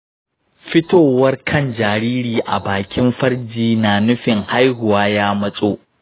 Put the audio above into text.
fitowar kan jaririn a bakin farji na nufin haihuwa ya matso